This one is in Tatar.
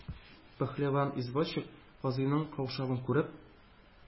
Пәһлеван извозчик, казыйның каушавын күреп,